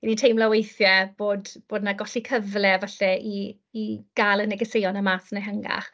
'Y ni'n teimlo weithie bod bod 'na golli cyfle, falle, i i gael y negeseuon 'na mas yn ehangach.